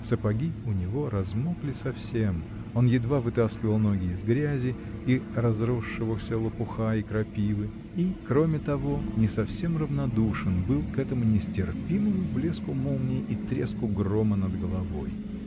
Сапоги у него размокли совсем: он едва вытаскивал ноги из грязи и разросшегося лопуха и крапивы, и, кроме того, не совсем равнодушен был к этому нестерпимому блеску молнии и треску грома над головой.